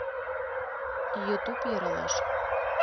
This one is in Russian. ютуб ералаш